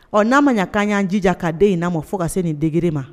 Ɔ n'a ma ɲan k'an y'an jija ka den in namɔ fɔ ka se nin degrée in ma